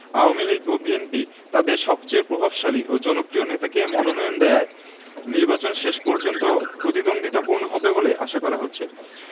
Awami League ও BNP তাদের সবচেয়ে প্রভাবশালী ও জনপ্রিয় নেতাকে মনোনয়ন দেয়ায় নির্বাচন শেষ পর্যন্ত প্রতিদ্বন্দ্বিতাপূর্ণ হবে বলে আশা করা হচ্ছে